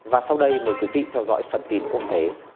và sau đây mời quý vị theo dõi phần tin quốc tế